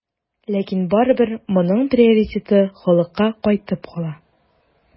Ләкин барыбер моның приоритеты халыкка кайтып кала.